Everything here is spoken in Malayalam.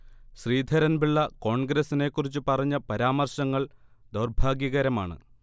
ശ്രീധരൻപിള്ള കോൺഗ്രസിനെ കുറിച്ച് പറഞ്ഞ പരാമർശങ്ങൾ ദൗർഭാഗ്യകരമാണ്